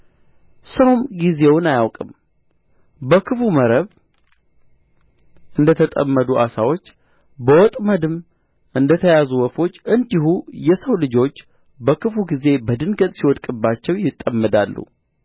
ሰውም ጊዜውን አያውቅም በክፉ መረብ እንደ ተጠመዱ ዓሣዎች በወጥመድም እንደ ተያዙ ወፎች እንዲሁ የሰው ልጆች በክፉ ጊዜ በድንገት ሲወድቅባቸው ይጠመዳሉ